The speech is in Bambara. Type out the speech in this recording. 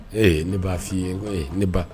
Ee ne b'a f'i ye n ko ye ne ba